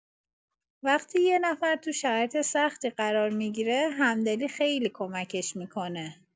وقتی یه نفر تو شرایط سختی قرار می‌گیره، همدلی خیلی کمکش می‌کنه.